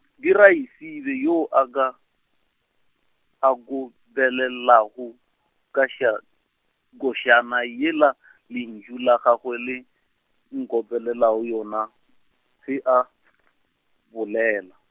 ke Raesibe yo a ka, a nkop- -pelelago kaša-, košana yela , lentšu la gagwe le, nkopelelago yona, ge a , bolela.